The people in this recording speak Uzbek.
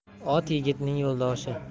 ot yigitning yo'ldoshi